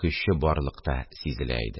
Көче барлык та сизелә иде